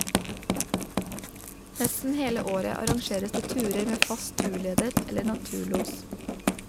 Nesten hele året arrangeres det turer med fast turleder, eller naturlos.